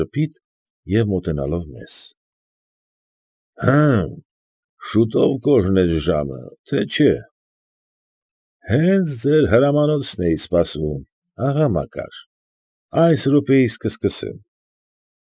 Ժպիտ և մոտենալով մեզ։ ֊ Հըմ, շո՞ւտ կօրհնես ժամը, թե՞ չէ։ ֊ Հենց ձեր հրամանոցն էի սպասում, աղա Մակար, այս րոպեիս կսկսեմ։